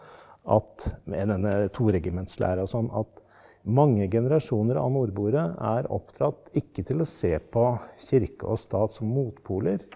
at med denne toregimentslæra og sånn at mange generasjoner av nordboere er oppdratt ikke til å se på kirke og stat som motpoler.